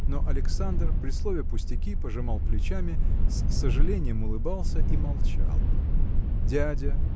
но Александр при слове пустяки пожимал плечами с сожалением улыбался и молчал. Дядя